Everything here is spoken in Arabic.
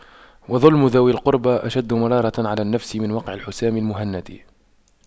وَظُلْمُ ذوي القربى أشد مرارة على النفس من وقع الحسام المهند